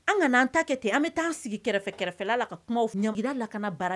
An ka'an ta kɛ ten an bɛ taa an sigi kɛrɛfɛ kɛrɛfɛla la ka kumaw ɲɛda la ka baara